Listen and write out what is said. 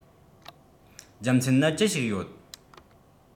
རྒྱུ མཚན ནི ཅི ཞིག ཡོད